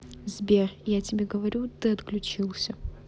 сбер я тебе говорю ты отключился